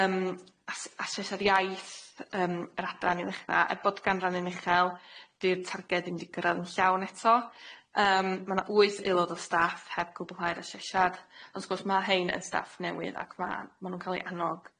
Yym a s- a saesa'r iaith yym yr adran i ddechra er bod ganran yn uchel 'di'r targed ddim di gyrradd yn llawn eto yym ma' na wyth aelod o staff heb gwblhau'r asesiad ond sgwrs ma' rhein yn staff newydd ac ma' ma' nw'n ca'l ei annog